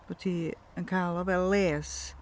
Bod ti yn cael o fel les...